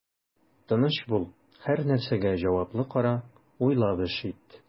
Тыныч бул, һәрнәрсәгә җаваплы кара, уйлап эш ит.